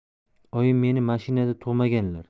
oyim meni mashinada tug'maganlar